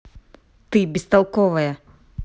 ты бестолковая